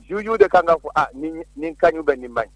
Jugujuw de ka naa fɔ nin kan bɛ nin man ɲi